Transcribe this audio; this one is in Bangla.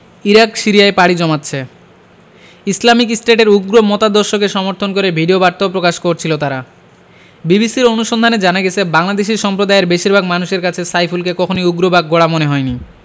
ইরাক সিরিয়ায় পাড়ি জমাচ্ছে ইসলামিক স্টেটের উগ্র মতাদর্শকে সমর্থন করে ভিডিওবার্তাও প্রকাশ করছিল তারা বিবিসির অনুসন্ধানে জানা গেছে বাংলাদেশি সম্প্রদায়ের বেশির ভাগ মানুষের কাছে সাইফুলকে কখনোই উগ্র বা গোঁড়া মনে হয়নি